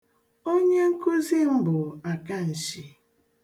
Onyenkụzi m bụ akanshi.